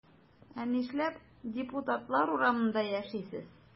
Ә нишләп депутатлар урамында яшисез?